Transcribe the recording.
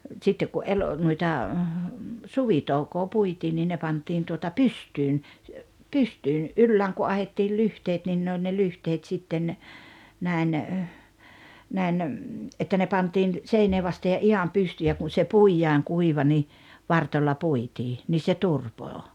sitten kun - noita suvitoukoa puitiin niin ne pantiin tuota pystyyn pystyyn ylään kun ahdettiin lyhteet niin ne oli ne lyhteet sitten näin näin että ne pantiin seinää vasten ja ihan pystyyn ja kun se puidaan kuiva niin varstoilla puitiin niin se turpoaa